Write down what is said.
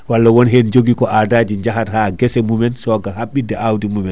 walla woni hen joogui ko adaji jahat ha guesse mumen sogua haɓide awdi mumen